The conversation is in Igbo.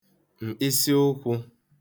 mkpịsị ụkwū